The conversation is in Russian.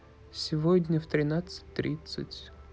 сегодня в тринадцать тридцать